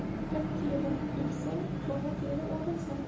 it yili eksang to'ng'iz yili o'rasan